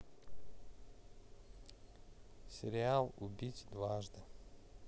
сериал убить дважды